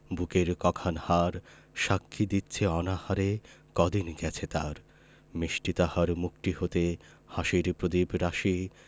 বুকের ক খান হাড় সাক্ষী দিচ্ছে অনাহারে কদিন গেছে তার মিষ্টি তাহার মুখটি হতে হাসির প্রদীপ রাশি